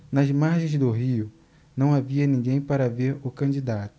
nas margens do rio não havia ninguém para ver o candidato